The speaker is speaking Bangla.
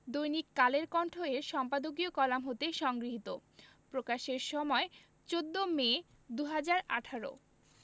দৈনিক কালের কণ্ঠ এর সম্পাদকীয় কলাম হতে সংগৃহীত প্রকাশের সময় ১৪ মে ২০১৮